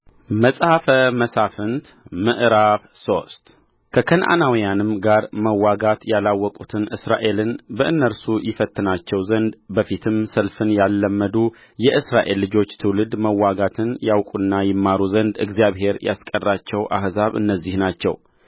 መጽሐፈ መሣፍንት ምዕራፍ ሶስት ከከነዓናውያንም ጋር መዋጋት ያላወቁትን እስራኤልን በእነርሱ ይፈትናቸው ዘንድ በፊትም ሰልፍን ያልለመዱ የእስራኤል ልጆች ትውልድ መዋጋትን ያውቁና ይማሩ ዘንድ እግዚአብሔር ያስቀራቸው አሕዛብ እነዚህ ናቸው